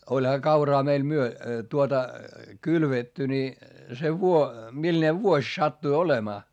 olihan kauraa meillä - tuota kylvetty niin se - millainen vuosi sattui olemaan